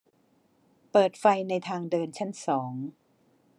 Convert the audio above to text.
เปิดไฟในทางเดินชั้นสอง